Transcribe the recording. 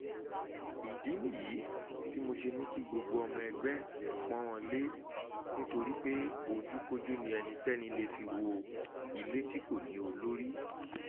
Ìdí nìyí tí mo ṣe ní kí gbogbo ọmọ ẹgbẹ́ pọ́n ọn lé nítorí pé ojúkójú ni ẹnikẹ́ni lè fi wo ilé tí kò ní olórí.